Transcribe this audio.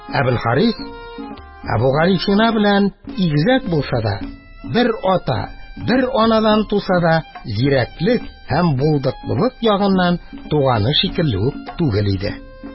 Әбелхарис, Әбүгалисина белән игезәк булса да, бер ата, бер анадан туса да, зирәклек һәм булдыклылык ягыннан туганы шикелле үк түгел иде.